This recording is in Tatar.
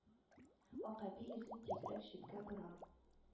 Акъәби йөзен тизрәк читкә бора